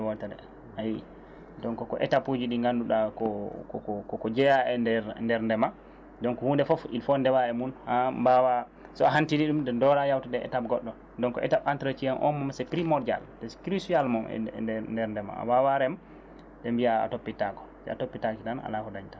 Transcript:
wotere ayi donc ko étape uji ɗi gannduɗa ko koko koko jeeya e nder ndema donc hunnde foof il faut ndewa e mum ha mbawa sa hantini ɗum doora yaltude e étape goɗɗo donc étape entretien o moom c' est primordial e crucialement e nder nder ndema a wawa reem te mbiya a toppittako sa toppitaki tan ala ko dañta